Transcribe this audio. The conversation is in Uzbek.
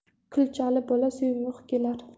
kulchali bola suyumh kelar